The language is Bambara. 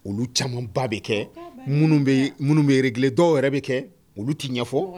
Olu camanba bɛ kɛ minnu bɛrile dɔw wɛrɛ bɛ kɛ olu t tɛ ɲɛfɔ